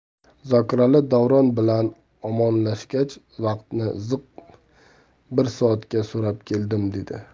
zokirali davron bilan omonlashgach vaqtim ziq bir soatga so'rab keldim dedi